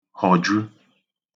họ̀ju